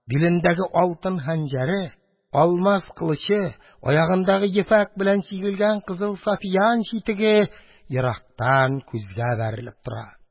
Билендәге алтын хәнҗәре, алмаз кылычы, аягындагы ефәк белән чигелгән кызыл сафьян читеге ерактан күзгә бәрелеп тора.